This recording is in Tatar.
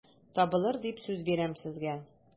Табылыр дип сүз бирәм сезгә...